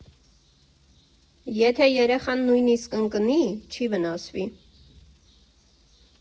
Եթե երեխան նույնիսկ ընկնի՝ չի վնասվի։